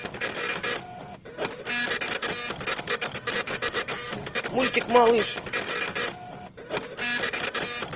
мультик малыш